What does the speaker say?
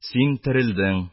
- син терелдең...